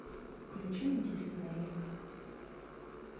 включить дисней